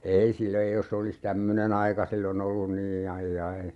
ei sillä ei jos se olisi tämmöinen aika silloin ollut niin aijai